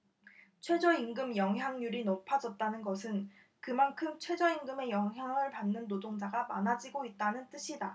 최저임금 영향률이 높아졌다는 것은 그만큼 최저임금의 영향을 받는 노동자가 많아지고 있다는 뜻이다